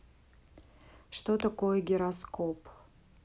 что такое гироскоп